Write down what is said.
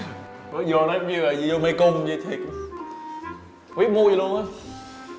mới dô lát như là dô mê cung vậy thiệt quấy bu gì luôn á